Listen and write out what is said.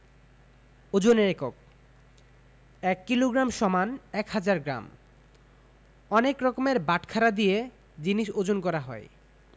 ওজনের এককঃ ১ kilogram = ১০০০ gram অনেক রকমের বাটখারা দিয়ে জিনিস ওজন করা হয়